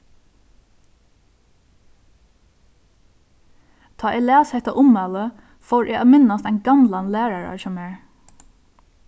tá eg las hetta ummæli fór eg at minnast ein gamlan lærara hjá mær